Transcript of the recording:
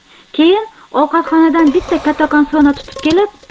keyin ovqatxonadan bitta kattakon so'na tutib kelib